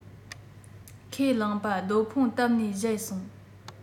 ཁས བླངས པ སྡོང ཕུང བཏབས ནས བཞད སོང